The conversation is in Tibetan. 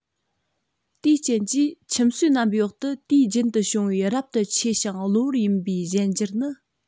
དེའི རྐྱེན གྱིས ཁྱིམ གསོས རྣམ པའི འོག ཏུ དུས རྒྱུན དུ བྱུང བའི རབ ཏུ ཆེ ཞིང གློ བུར ཡིན པའི གཞན འགྱུར ནི